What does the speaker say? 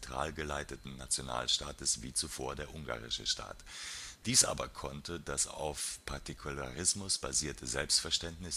Nationalstaates wie zuvor der ungarische Staat. Dies aber konnte das auf Partikularismus basierte Selbstverständnis